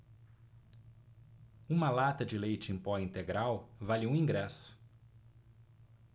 uma lata de leite em pó integral vale um ingresso